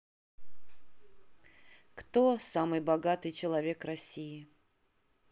кто самый богатый человек россии